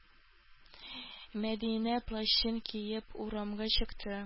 Мәдинә плащын киеп урамга чыкты.